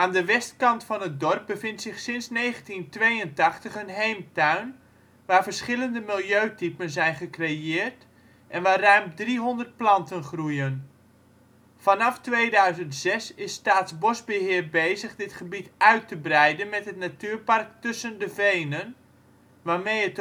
de westkant van het dorp bevindt zich sinds 1982 een heemtuin, waar verschillende milieutypen zijn gecreëerd en waar ruim 300 planten groeien. Vanaf 2006 is Staatsbosbeheer bezig dit gebied uit te breiden met het natuurpark Tussen de Venen, waarmee